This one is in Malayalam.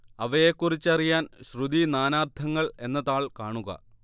അവയെക്കുറിച്ചറിയാൻ ശ്രുതി നാനാർത്ഥങ്ങൾ എന്ന താൾ കാണുക